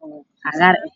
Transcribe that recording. wuu soo laalada